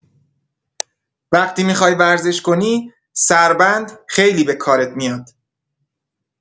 وقتی می‌خوای ورزش کنی، سربند خیلی به کارت میاد.